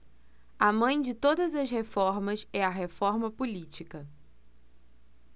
a mãe de todas as reformas é a reforma política